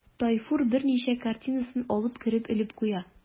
Тайфур берничә картинасын алып кереп элеп куя.